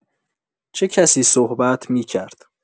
چه کسی صحبت می‌کرد؟